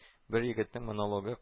Бер егетнең монологы